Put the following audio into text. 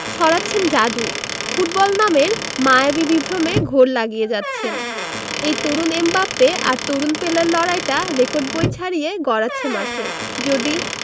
ছড়াচ্ছেন জাদু ফুটবল নামের মায়াবী বিভ্রমে ঘোর লাগিয়ে যাচ্ছেন এই তরুণ এমবাপ্পে আর তরুণ পেলের লড়াইটা রেকর্ড বই ছাড়িয়ে গড়াচ্ছে মাঠে যদি